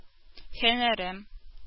Һөнәрем